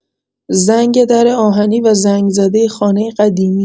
زنگ در آهنی و زنگ‌زده خانه قدیمی